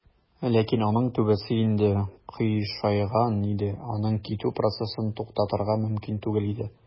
Ләкин аның түбәсе инде "кыйшайган" иде, аның китү процессын туктатырга мөмкин түгел иде.